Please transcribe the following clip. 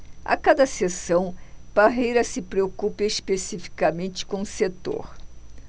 a cada sessão parreira se preocupa especificamente com um setor